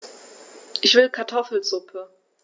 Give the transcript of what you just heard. Ich will Kartoffelsuppe.